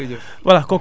allez merci beaucoup